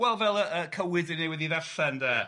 Wel fel y cywydd i newydd ei ddarllen de ia.